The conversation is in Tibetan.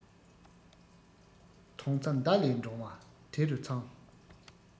དོན རྩ མདའ ལས འདྲོང བ དེ རུ ཚང